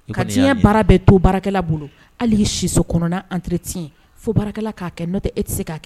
Ka tiɲɛ baara bɛɛ to baarakɛla bolo hali' siso kɔnɔna anre tiɲɛ fo baarakɛla k'a kɛ n nɔ tɛ e tɛ se'a kɛ